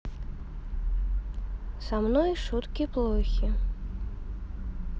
со мной шутки плохи